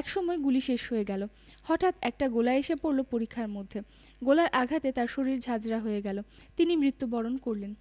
একসময় গুলি শেষ হয়ে গেল হটাঠ একটা গোলা এসে পড়ল পরিখার মধ্যে গোলার আঘাতে তার শরীর ঝাঁঝরা হয়ে গেল তিনি মৃত্যুবরণ করলেন